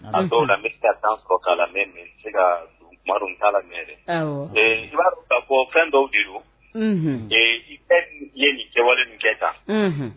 A dɔw la bɛ ka tan fɔ k' la min se ka duru' dɛ bakɔ fɛn dɔw de ee i bɛ ye nin jawale kɛ tan